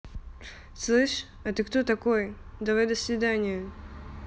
слышь а ты кто такой давай до свидания